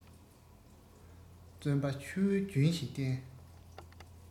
བརྩོན པ ཆུ བོའི རྒྱུན བཞིན བསྟེན